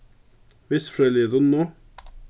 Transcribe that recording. vistfrøðiliga dunnu